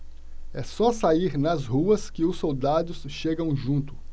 é só sair nas ruas que os soldados chegam junto